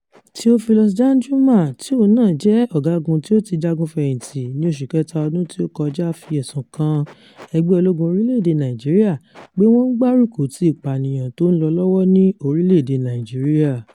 Theophilus Danjuma, tí òun náà jẹ́ ọ̀gágun tí ó ti jagun fẹ̀yìntì ní oṣù kẹ́ta ọdún tí ó kọjá fi ẹ̀sùn kan "ẹgbẹ́ ológun orílẹ̀-èdè Nàìjíríà pé wọ́n ń gbárùkù ti ìpànìyàn tó ń lọ lọ́wọ́ ní orílẹ̀-èdè Nàìjíríà".